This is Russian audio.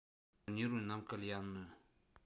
так забронируй нам кальянную